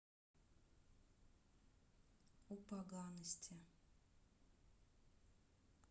у поганости